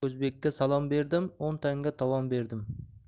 o'zbekka salom berdim o'n tanga tovon berdim